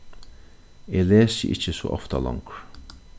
eg lesi ikki so ofta longur